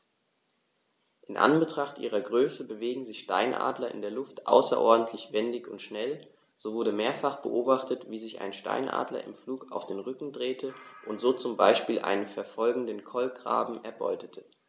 In Anbetracht ihrer Größe bewegen sich Steinadler in der Luft außerordentlich wendig und schnell, so wurde mehrfach beobachtet, wie sich ein Steinadler im Flug auf den Rücken drehte und so zum Beispiel einen verfolgenden Kolkraben erbeutete.